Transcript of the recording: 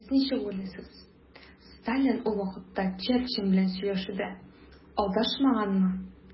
Сез ничек уйлыйсыз, Сталин ул вакытта Черчилль белән сөйләшүдә алдашмаганмы?